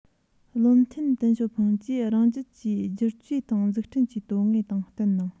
བློ མཐུན ཏེང ཞའོ ཕིན གྱིས རང རྒྱལ གྱི བསྒྱུར བཅོས དང འཛུགས སྐྲུན ཀྱི དོན དངོས དང བསྟུན གནང